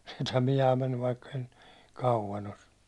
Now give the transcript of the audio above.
sitä on ihan mennyt vaikka siitä niin kauan ole